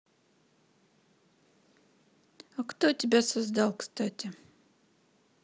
а кто тебя создал кстати